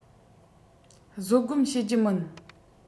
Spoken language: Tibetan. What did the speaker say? བཟོད སྒོམ བྱེད ཀྱི མིན